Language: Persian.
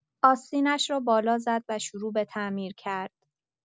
آستینش را بالا زد و شروع به تعمیر کرد.